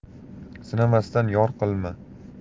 sinamasdan yor qilma